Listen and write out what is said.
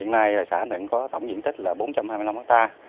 hiện nay ở xã này có tổng diện tích là bốn trăm hai mươi lăm héc ta